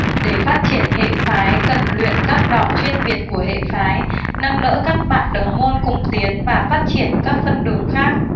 để phát triển hệ phái cần luyện các đòn chuyên biệt của hệ phái nâng đỡ các bạn đồng môn cùng tiến và phát triển các phân đường khác